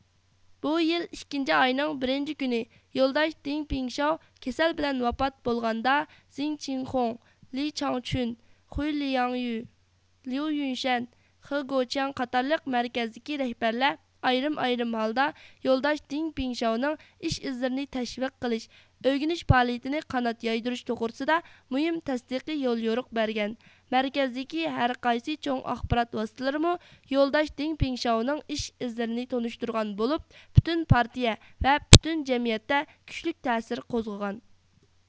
بۇ يىل ئىككىنچى ئاينىڭ بىرىنچى كۈنى يولداش دېڭپىڭشاۋ كېسەل بىلەن ۋاپات بولغاندا زېڭچىڭخۇڭ لىچاڭچۈن خۇيلياڭيۈ ليۇيۈنشەن خېگوچىياڭ قاتارلىق مەركەزدىكى رەھبەرلەر ئايرىم ئايرىم ھالدا يولداش دېڭپىڭشاۋنىڭ ئىش ئىزلىرىنى تەشۋىق قىلىش ئۆگىنىش پائالىيىتىنى قانات يايدۇرۇش توغرىسىدا مۇھىم تەستىقىي يوليورۇق بەرگەن مەركەزدىكى ھەرقايسى چوڭ ئاخبارات ۋاسىتىلىرىمۇ يولداش دېڭپىڭشاۋنىڭ ئىش ئىزلىرىنى تونۇشتۇرغان بولۇپ پۈتۈن پارتىيە ۋە پۈتۈن جەمئىيەتتە كۈچلۈك تەسىر قوزغىغان